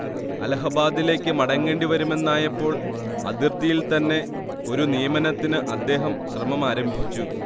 അലഹബാദിലേക്ക് മടങ്ങേണ്ടി വരുമെന്നായപ്പോൾ അതിർത്തിയിൽത്തന്നെ ഒരു നിയമനത്തിന് അദ്ദേഹം ശ്രമമാരംഭിച്ചു